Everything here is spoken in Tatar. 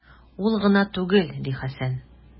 Ул гына түгел, - ди Хәсән.